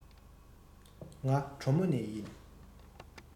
ང གྲོ མོ ནས ཡིན